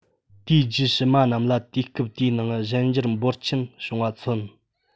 དེའི རྒྱུད ཕྱི མ རྣམས ལ དུས སྐབས དེའི ནང གཞན འགྱུར འབོར ཆེན བྱུང བ མཚོན